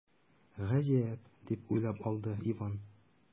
“гаҗәп”, дип уйлап алды иван.